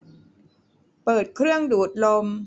เปิดเครื่องดูดลม